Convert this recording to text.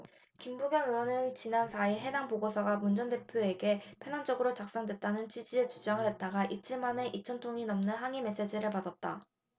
김부겸 의원은 지난 사 일 해당 보고서가 문 전 대표에게 편향적으로 작성됐다는 취지의 주장을 했다가 이틀 만에 이천 통이 넘는 항의 메시지를 받았다